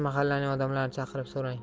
mahallaning odamlarini chaqirib so'rang